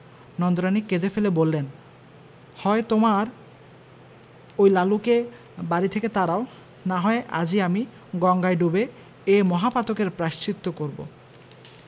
নন্দরানী কেঁদে ফেলে বললেন হয় তোমার ঐ লালুকে বাড়ি থেকে তাড়াও না হয় আজই আমি গঙ্গায় ডুবে এ মহাপাতকের প্রায়শ্চিত্ত করব